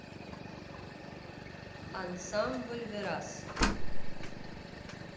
ансамбль верасы